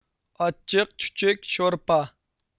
ئاچچىق چۈچۈك شورپا